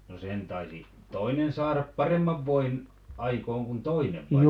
no sen taisi toinen saada paremman voin aikaan kuin toinen vai